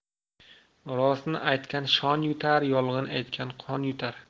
rostni aytgan shon yutar yolg'on aytgan qon yutar